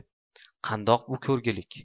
bu qandoq ko'rgilik